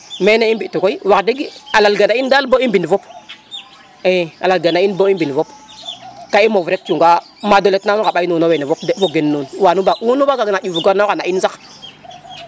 mene i mbi tu koy wax deg a lal gana in dal bo i mbin fop i a lal gana in bo i mbin fop ka i moof rek cunga mado let na nuuno wene fop de fo gen nuun wa nu wunu mbag na ƴuf noga na in sax